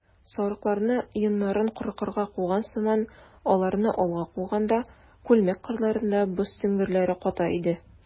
Сарыкларны йоннарын кыркырга куган сыман аларны алга куганда, күлмәк кырларында боз сөңгеләре ката иде.